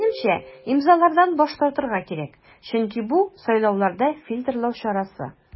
Минемчә, имзалардан баш тартырга кирәк, чөнки бу сайлауларда фильтрлау чарасы.